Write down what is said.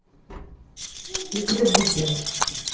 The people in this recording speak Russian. я тебя выкину